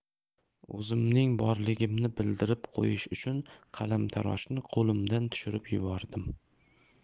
o'zimning borligimni bildirib qo'yish uchun qalamtaroshni qo'limdan tushirib yubordim